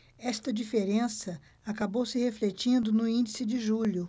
esta diferença acabou se refletindo no índice de julho